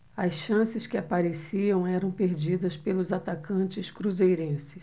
as chances que apareciam eram perdidas pelos atacantes cruzeirenses